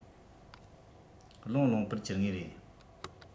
བློང བློང པོར གྱུར ངེས རེད